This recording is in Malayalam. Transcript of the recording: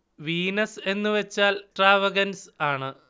വീനസ് എന്ന് വച്ചാൽ എക്സ്ട്രാ വഗൻസ് ആണ്